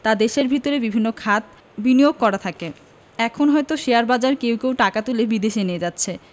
তা দেশের ভেতরে বিভিন্ন খাতে বিনিয়োগ করা থাকে এখন হয়তো শেয়ারবাজার কেউ কেউ টাকা তুলে বিদেশে নিয়ে যাচ্ছে